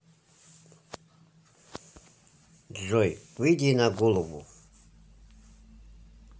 джой выйди на голову